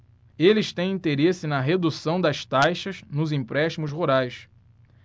eles têm interesse na redução das taxas nos empréstimos rurais